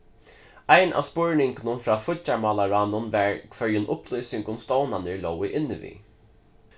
ein av spurningunum frá fíggjarmálaráðnum var hvørjum upplýsingum stovnarnir lógu inni við